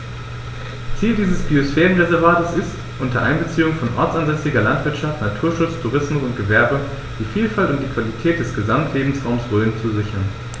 Ziel dieses Biosphärenreservates ist, unter Einbeziehung von ortsansässiger Landwirtschaft, Naturschutz, Tourismus und Gewerbe die Vielfalt und die Qualität des Gesamtlebensraumes Rhön zu sichern.